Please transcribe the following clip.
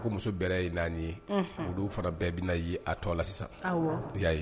Ko muso bɛɛ ye n naani ye olu fana bɛɛ bɛ na ye a tɔ la sisan y'a ye